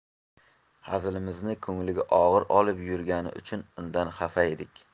hazilimizni ko'ngliga og'ir olib yurgani uchun undan xafa edik